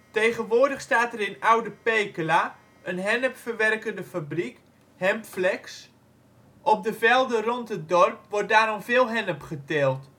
Tegenwoordig staat er in Oude Pekela een hennepverwerkende fabriek (Hempflex). Op de velden rond het dorp wordt daarom veel hennep geteeld